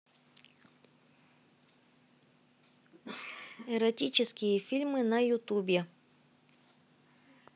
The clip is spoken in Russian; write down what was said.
эротические фильмы на ютубе